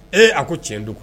Ee a ko cɛn don